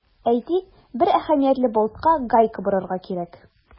Әйтик, бер әһәмиятле болтка гайка борырга кирәк.